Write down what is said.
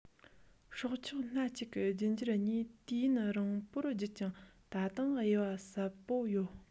སྲོག ཆགས སྣ གཅིག གི རྒྱུད འགྱུར གཉིས དུས ཡུན རིང པོ བརྒྱུད ཀྱང ད དུང དབྱེ བ གསལ པོ ཡོད